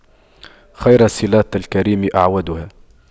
خير صِلاتِ الكريم أَعْوَدُها